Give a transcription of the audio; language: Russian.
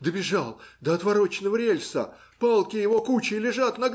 Добежал до отвороченного рельса: палки его кучей лежат.